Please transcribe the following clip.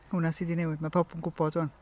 Hwnna sy 'di newid. Mae pawb yn gwybod 'ŵan.